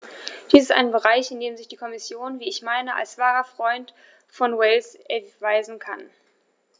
Dies ist ein Bereich, in dem sich die Kommission, wie ich meine, als wahrer Freund von Wales erweisen kann.